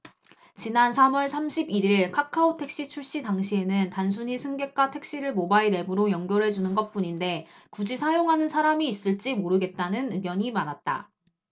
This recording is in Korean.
지난 삼 월 삼십 일 일 카카오택시 출시 당시에는 단순히 승객과 택시를 모바일 앱으로 연결해주는 것뿐인데 굳이 사용하는 사람이 있을지 모르겠다는 의견이 많았다